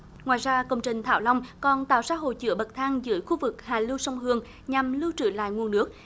ngoài ra công trình thảo long con tạo ra hồ chứa bậc thang dưới khu vực hạ lưu sông hương nhằm lưu trữ lại nguồn nước